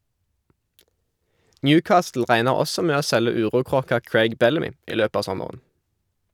Newcastle regner også med å selge urokråka Craig Bellamy i løpet av sommeren.